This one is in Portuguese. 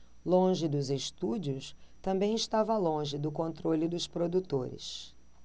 longe dos estúdios também estava longe do controle dos produtores